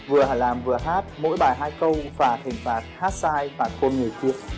vừa làm vừa hát mỗi bài hai câu và hình phạt hát sai phạt hôn người kia